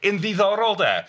Yn ddiddorol 'de.